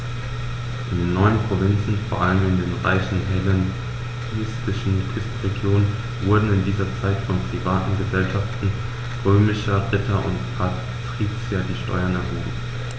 In den neuen Provinzen, vor allem in den reichen hellenistischen Küstenregionen, wurden in dieser Zeit von privaten „Gesellschaften“ römischer Ritter und Patrizier die Steuern erhoben.